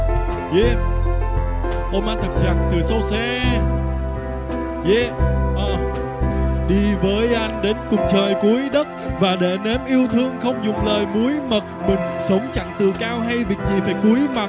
dê ôm anh thật chặt từ sau xe dê a đi với anh đến cùng trời cuối đất và để nếm yêu thương không dùng lời muối mật mình sống chẳng tự cao hay việc gì phải cúi mặt